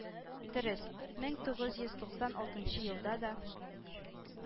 Дөрес, мең тугыз йөз туксан алтынчы елда да